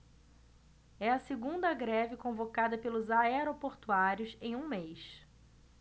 é a segunda greve convocada pelos aeroportuários em um mês